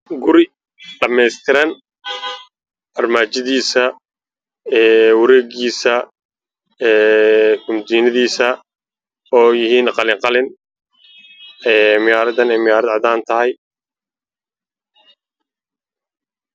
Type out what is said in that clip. Waa guri dhameystiran armaajadiisa iyo wareegiisaba